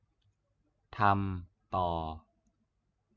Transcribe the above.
ทำต่อ